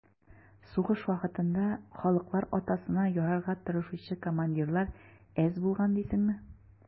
Сугыш вакытында «халыклар атасына» ярарга тырышучы командирлар әз булган дисеңме?